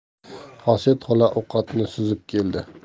xosiyat xola ovqatni suzib keldi